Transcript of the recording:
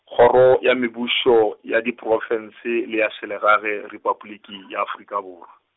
Kgoro ya Mebušo, ya Diprofense le ya Selegae, Repabliki ya Afrika Borwa.